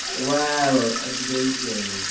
Wel, y duw, duw!